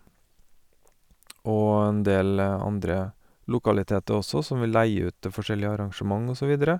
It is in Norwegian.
Og en del andre lokaliteter også, som vi leier ut til forskjellige arrangement og så videre.